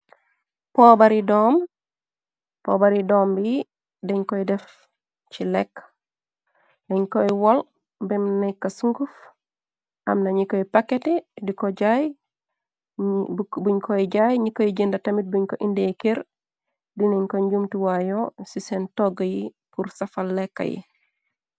Poobari dom, poobari dom yi dan nyu koy def ci lekk dañ koy wol bem nekka sunguf am na ñi koy pakete di buñ koy jaay ñi koy jënd tamit buñ ko indey ker dinañ ko njumtiwaayoo ci seen togg yi pur safal lekka yi.